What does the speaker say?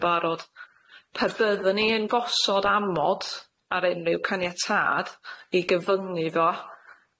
yn barod perdyddwn ni yn gosod amod ar unrhyw caniatâd i gyfyngu fo